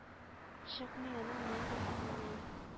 Чыкмый аннан мәңге исеңнән.